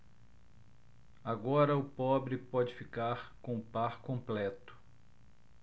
agora o pobre pode ficar com o par completo